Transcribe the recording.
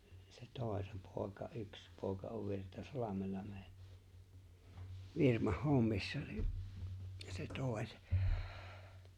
se toi se poika yksi poika on Virtasalmella meillä firmassa hommissa niin se toi se